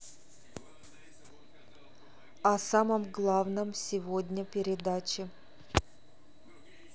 о самом главном сегодня передачи